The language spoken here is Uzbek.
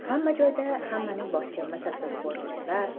hamma joyda hammaning boshiga mislsiz ko'rgiliklar